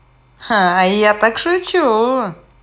а я так шучу